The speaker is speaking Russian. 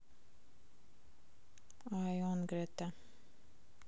l one greta